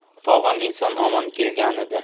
tog'am eson omon kelganida